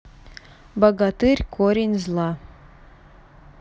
богатырь корень зла